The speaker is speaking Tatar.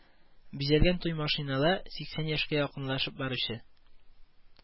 Бизәлгән туй машинала сиксән яшькә якынлашып баручы